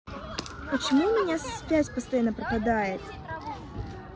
почему у меня связь постоянно пропадает